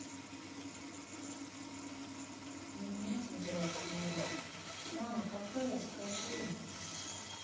а у меня температура мама какая скажи